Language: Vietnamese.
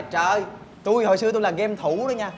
trời ơi tui hồi xưa tui làm ghêm thủ đó nha